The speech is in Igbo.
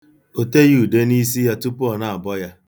O teghị ude n'isi ya tupu ọ na-abọ ya.